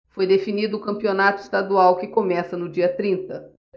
foi definido o campeonato estadual que começa no dia trinta